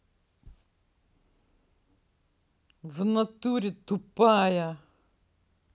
внатуре тупая